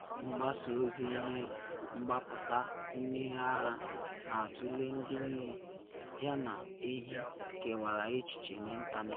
Mgbasa ozi ihe mgbapụta mmiri ara na atụle ndị nne yana ehi kewara echiche n’ịntanetị